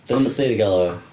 Beth 'sach chdi 'di galw fo?